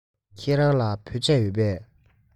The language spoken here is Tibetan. ཁྱེད རང ལ བོད ཆས ཡོད པས